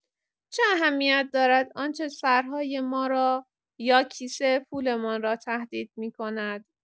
چه اهمیت دارد آنچه سرهای ما را، یا کیسه پولمان را تهدید می‌کند!